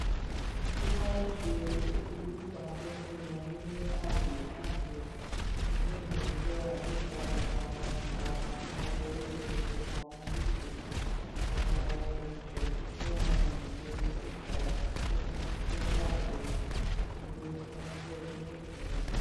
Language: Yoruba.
Ó má ń ṣe èyí nípa fífún wọn ní ààyè láti dúnàádúrà títa ọjà wọn tààrà nípasẹ̀ lílo ọ̀pọ̀lọpọ̀ àwọn PCs àti àwọn ibùsọ̀ ní àwọn ibùdó 6500 tí wọ́n pín káàkiri ìgbèríko 100 ní ìpínlẹ̀ 10.